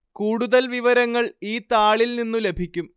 കൂടുതല്‍ വിവരങ്ങള്‍ ഈ താളില്‍ നിന്നു ലഭിക്കും